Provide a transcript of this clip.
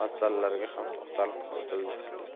oshirish masalalariga ham to'xtalib o'tildi